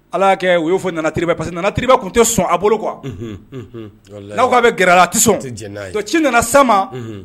Ala kɛ o y'o fɔ nana tiba pari nana tiba tun tɛ sɔn a bolo kuwa aw'a bɛ gla a nana sa